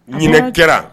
Ɲ kɛra